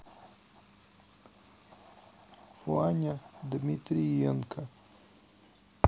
ваня дмитриенко